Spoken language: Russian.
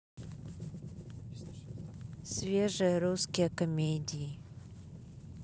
свежие русские комедии